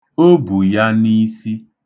O bu ya n'isi.